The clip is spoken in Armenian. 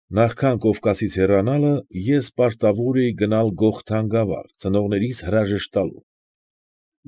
Նախքան Կովկասից հեռանալը ես պարտավոր էի գնալ Գողթան գավառ՝ ծնողներիս հրաժեշտ տալու համար։